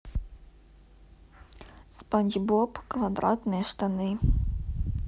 спанч боб квадратные штаны